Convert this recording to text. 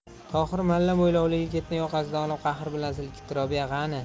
tohir malla mo'ylovli yigitni yoqasidan olib qahr bilan silkitdi robiya qani